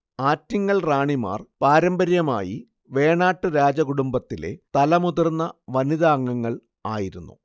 ആറ്റിങ്ങൽ റാണിമാർ പാരമ്പര്യമായി വേണാട്ടു രാജകുടുംബത്തിലെ തലമുതിർന്ന വനിതാംഗങ്ങൾ ആയിരുന്നു